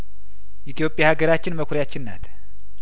ኢትዮጵያ ሀገራችን መኩሪያችን ናት